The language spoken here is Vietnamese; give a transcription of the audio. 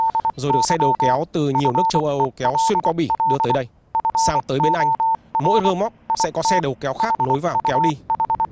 rồi được xe đầu kéo từ nhiều nước châu âu kéo xuyên qua bỉ đưa tới đây sang tới bến anh mỗi rơ moóc sẽ có xe đầu kéo khác nối vào kéo đi